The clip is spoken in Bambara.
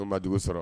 Anw ma dugu sɔrɔ